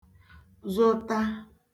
zụta